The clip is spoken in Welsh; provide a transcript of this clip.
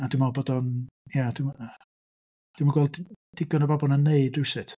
A dwi'n meddwl bod o'n... ia dwi'm yn... dwi'm yn gweld digon o bobl yn wneud rywsut.